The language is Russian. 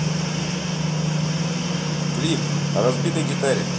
клип о разбитой гитаре